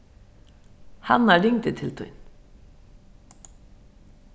hanna ringdi til tín